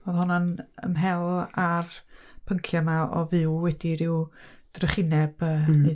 Oedd honno'n ymhel â'r pynciau 'ma o fyw wedi ryw drychineb yy...